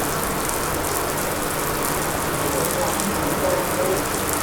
ปวดหลังเหมือนโดนทุบ